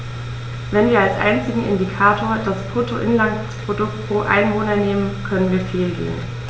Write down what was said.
Wenn wir als einzigen Indikator das Bruttoinlandsprodukt pro Einwohner nehmen, können wir fehlgehen.